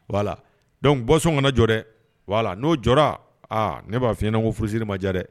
Dɔnku bɔnsɔn kana jɔ dɛ n'o jɔ aa ne b'a fɔ fiɲɛ ɲɛna ne ko furusi ma ja dɛ